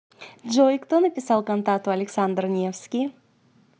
джой кто написал кантату александр невский